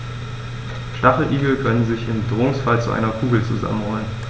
Stacheligel können sich im Bedrohungsfall zu einer Kugel zusammenrollen.